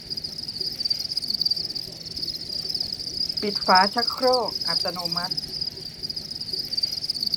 ปิดฝาชักโครกอัตโนมัติ